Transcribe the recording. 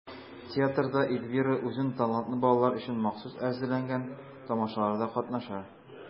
Театрда Эльвира үзен талантлы балалар өчен махсус әзерләнгән тамашаларда катнаша.